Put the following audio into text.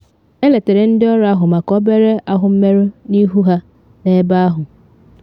Eletere ndị ọrụ ahụ maka obere ahụ mmerụ n’ihu ha n’ebe ahụ.